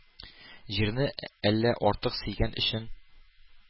Җирне әллә артык сөйгән өчен,